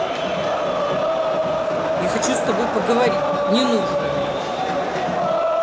я хочу с тобой поговорить не нужно мне